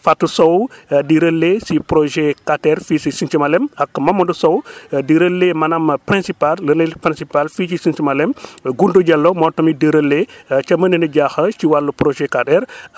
fatou sow di relai si projet 4R fii si Sinthiou Malem ak Momadou Sow di relai maanaam principal relai principal fii si Sinthiou Malem Goundou diallo moom tamit di relai ca Manini Diakha ci wàllu projet 4R